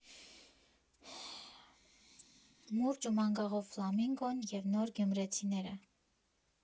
Մուրճ ու մանգաղով ֆլամինգոն և նոր գյումրեցիները։